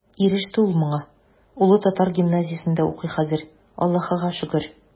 Иреште ул моңа, улы татар гимназиясендә укый хәзер, Аллаһыга шөкер.